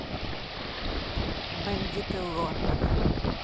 бандиты лондона